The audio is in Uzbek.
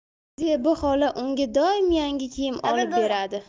zebi xola unga doim yangi kiyim olib beradi